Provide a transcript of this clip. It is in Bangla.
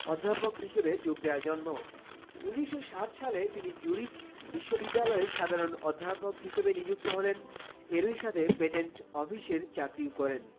অধ্যাপক হিসেবে যোগ দেয়ার জন্য হাজার ১৯০৭ সালে তিনি জুরিখ বিশ্ববিদ্যালয় সাধারণ অধ্যাপক হিসেবে নিযুক্ত হলেন এর ই সাথে পেটেন্ট অফিসের চাকরি ও করেন